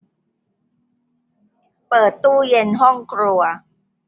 เปิดตู้เย็นห้องครัว